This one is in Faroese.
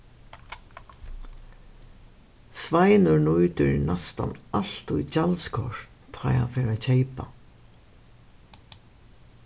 sveinur nýtir næstan altíð gjaldskort tá ið hann fer at keypa